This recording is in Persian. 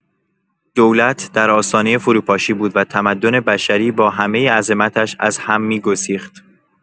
دولت در آستانه فروپاشی بود و تمدن بشری با همه عظمتش از هم می‌گسیخت.